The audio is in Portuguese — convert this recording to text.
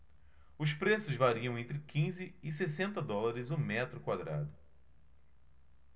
os preços variam entre quinze e sessenta dólares o metro quadrado